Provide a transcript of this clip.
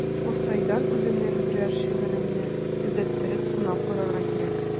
Мостайдан үземнең берәр шигыремне төзәттереп сынап карарга кирәк.